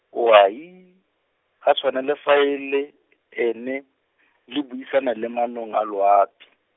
owai, ga tshwana le fa e le e-, ene, le buisana le manong a loapi.